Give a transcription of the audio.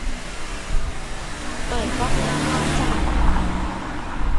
เปิดก๊อกน้ำล้างจานค่ะ